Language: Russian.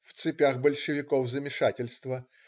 В цепях большевиков замешательство.